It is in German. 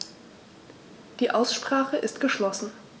Die Aussprache ist geschlossen.